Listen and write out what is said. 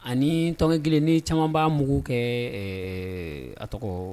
Anii tɔngɛ gili ni caman ba mugu kɛɛ ɛɛ a tɔgɔɔ